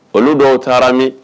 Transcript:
Olu dɔw taara min?